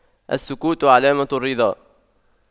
السكوت علامة الرضا